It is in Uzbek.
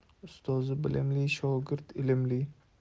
ustoz bilimli shogird ilmli